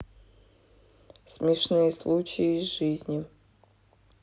смешные случаи из жизни